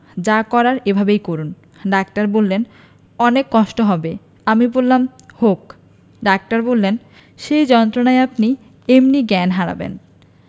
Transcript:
যা করার এভাবেই করুন ডাক্তার বললেন অনেক কষ্ট হবে আমি বললাম হোক ডাক্তার বললেন সেই যন্ত্রণায় আপনি এমনি জ্ঞান হারাবেন